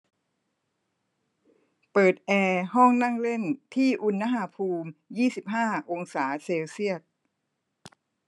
เปิดแอร์ห้องนั่งเล่นที่อุณหภูมิยี่สิบห้าองศาเซลเซียส